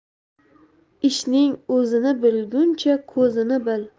ishning o'zini bilguncha ko'zini bil